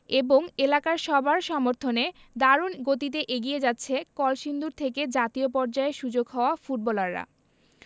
এবং এলাকার সবার সমর্থনে দারুণ গতিতে এগিয়ে যাচ্ছে কলসিন্দুর থেকে জাতীয় পর্যায়ে সুযোগ হওয়া ফুটবলাররা